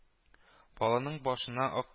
Баланың башына